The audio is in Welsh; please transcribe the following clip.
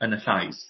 yn y llais